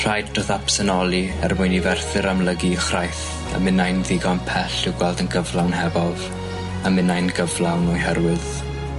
Rhaid drawth apsenolu er mwyn i Ferthyr amlygu'i chraith a minnau'n ddigon pell i'w gweld yn gyflawn hebof a minnau'n gyflawn o'i herwydd.